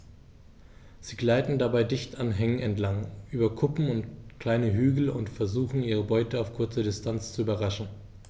Sie gleiten dabei dicht an Hängen entlang, über Kuppen und kleine Hügel und versuchen ihre Beute auf kurze Distanz zu überraschen.